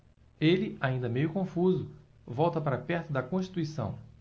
ele ainda meio confuso volta para perto de constituição